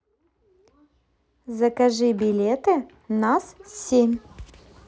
закажи билеты на с семь